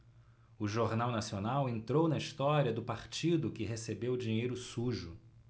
o jornal nacional entrou na história do partido que recebeu dinheiro sujo